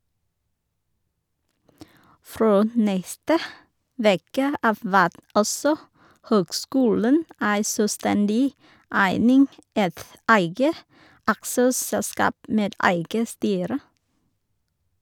Frå neste veke av vert altså høgskulen ei sjølvstendig eining, eit eige aksjeselskap med eige styre.